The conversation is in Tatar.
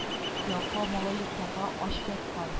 Ялкау малай йокларга ач яткан